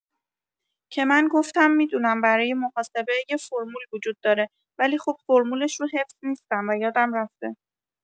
که من گفتم می‌دونم برای محاسبه یه فرمول وجود داره ولی خب فرمولش رو حفظ نیستم و یادم رفته.